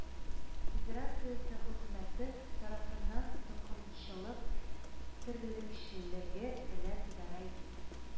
Федерациясе Хөкүмәте тарафыннан токымчылык терлекчелеге белән идарә итү